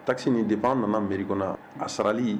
Tasi nin de b' nana nbari kɔnɔna a saraali